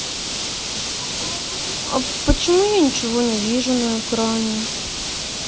почему я не вижу ничего на экране